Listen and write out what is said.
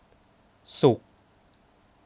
ศุกร์